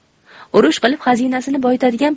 urush qilib xazinasini boyitadigan